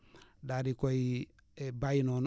daa di koy bàyyi noonu